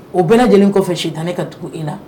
O bɛɛ lajɛlen kɔfɛ si tan ne ka tugu e la